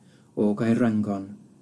O Gairwrangon